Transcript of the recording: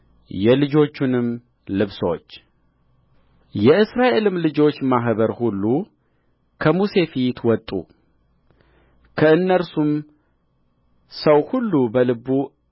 የልጆቹንም ልብሶች የእስራኤልም ልጆች ማኅበር ሁሉ ከሙሴ ፊት ወጡ ከእነርሱም ሰው ሁሉ ልቡ